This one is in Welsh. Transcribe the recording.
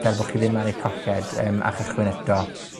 fel bo' chi ddim ar eich colled, yym, a chychwyn eto.